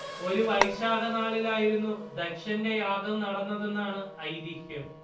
ഒരു വൈശാഖ നാളിലായിരുന്നു ദക്ഷന്റെ യാഗം നടന്നതെന്നാണ് ഐതിഹ്യം